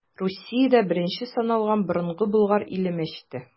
Русиядә беренче саналган Борынгы Болгар иле мәчете.